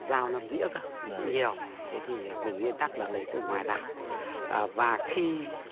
dao năm dĩa cơ cũng nhiều thế thì với nguyên tắc là lấy từ ngoài vào ở và khi